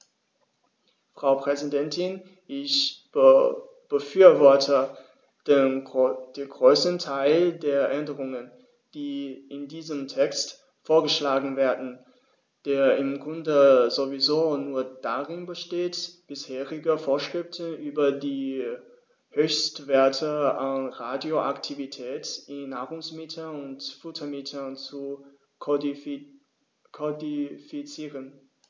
Frau Präsidentin, ich befürworte den größten Teil der Änderungen, die in diesem Text vorgeschlagen werden, der im Grunde sowieso nur darin besteht, bisherige Vorschriften über die Höchstwerte an Radioaktivität in Nahrungsmitteln und Futtermitteln zu kodifizieren.